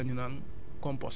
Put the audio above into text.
dem sotti sa tool